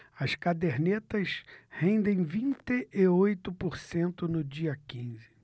as cadernetas rendem vinte e oito por cento no dia quinze